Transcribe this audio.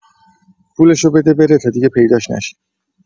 پولشو بده بره تا دیگه پیداش نشه